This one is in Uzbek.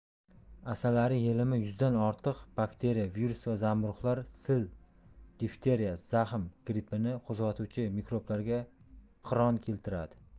asalari yelimi yuzdan ortiq bakteriya virus va zamburug'lar sil difteriya zaxm va grippni qo'zg'atuvchi mikro'blarga qiron keltiradi